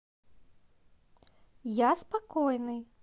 я спокойный